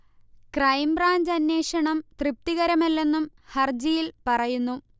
crime branch അന്വേഷണം തൃ്പതികരമല്ലെന്നും ഹർജിയിൽ പറയുന്നു